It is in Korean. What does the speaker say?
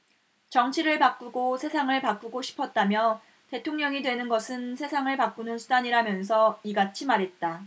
정치를 바꾸고 세상을 바꾸고 싶었다며 대통령이 되는 것은 세상을 바꾸는 수단이라면서 이같이 말했다